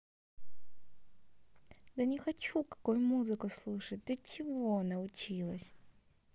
да не хочу какую музыку слушать ты чего научилась